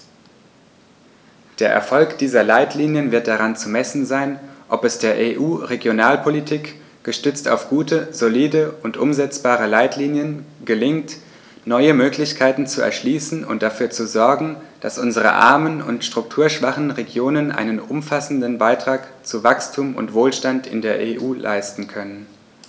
Der Erfolg dieser Leitlinien wird daran zu messen sein, ob es der EU-Regionalpolitik, gestützt auf gute, solide und umsetzbare Leitlinien, gelingt, neue Möglichkeiten zu erschließen und dafür zu sorgen, dass unsere armen und strukturschwachen Regionen einen umfassenden Beitrag zu Wachstum und Wohlstand in der EU leisten können.